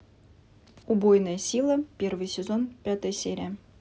убойная сила первый сезон пятая серия